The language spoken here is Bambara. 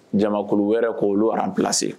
Jamaman wɛrɛ ko' oluolu bilase